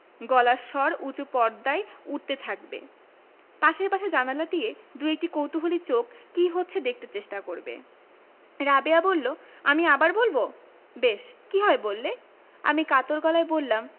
গলার স্বর উচু পর্দায় উঠতে থাকবে পাশের বাসার জানালা দিয়ে দুএকটি কৌতুহলী চোখ কি হচ্ছে দেখতে চেষ্টা করবে রাবেয়া বললো আমি আবার বলবো বেশ কি হয় বললে আমি কাতর গলায় বললাম